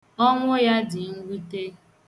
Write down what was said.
Ọnwụ dị mwute.